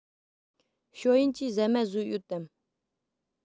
ཞའོ ཡན གྱིས ཟ མ ཟོས ཡོད དམ